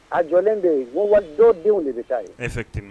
A jɔlen bɛ yen wa dɔdenw de bɛ taa